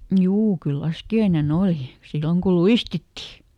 juu kyllä laskiainen oli silloin kun luistittiin